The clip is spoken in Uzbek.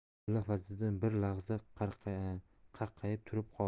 mulla fazliddin bir lahza qaqqayib turib qoldi